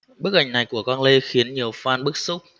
bức ảnh này của quang lê khiến nhiều fans bức xúc